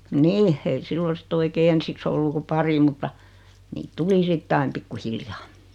niin ei silloin sitten oikein ensiksi ollut kuin pari mutta niitä tuli sitten aina pikkuhiljaa